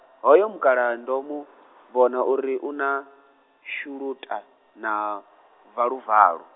hoyo mukalaha ndo mu vhona uri u na, shuluta- na , valuvalu.